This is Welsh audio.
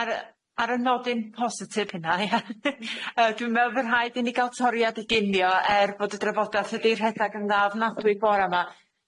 Ar yy ar y nodyn positif hynna ie yy dwi'n me'wl fy' rhaid i ni ga'l toriad y ginio er bod y drafodath ydi rhedag yn dda ofnadwy bore ma.